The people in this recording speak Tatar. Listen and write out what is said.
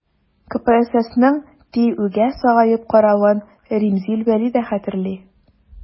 КПССның ТИҮгә сагаеп каравын Римзил Вәли дә хәтерли.